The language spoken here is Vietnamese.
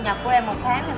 nhập của em một tháng